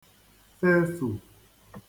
fefù